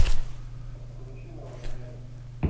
включи новый мерин